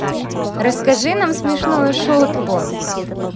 расскажи нам смешную шутку